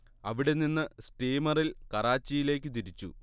അവിടെനിന്ന് സ്റ്റീമറിൽ കറാച്ചിയിലേക്ക് തിരിച്ചു